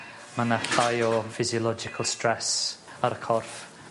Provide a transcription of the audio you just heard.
Ma' 'na llai o physiological stress ar y corff.